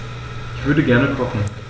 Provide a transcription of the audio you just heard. Ich würde gerne kochen.